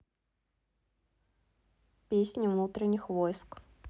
песни внутренних войск